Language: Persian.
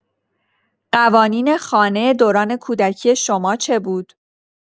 قوانین خانه دوران کودکی شما چه بود؟